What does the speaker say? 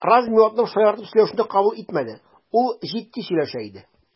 Размётнов шаяртып сөйләшүне кабул итмәде, ул җитди сөйләшә иде.